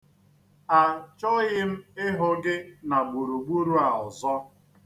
Achọghị m ịhụ gị na gburugburu a ọzọ.